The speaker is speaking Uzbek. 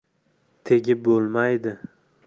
tegib bo'lmaydi